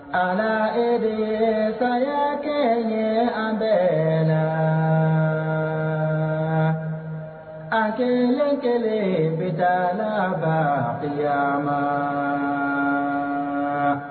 Ala e de ye saya kɛ ɲe an bɛɛ laaa an' kelen-kelen bɛ taa laabaan kiyamaaa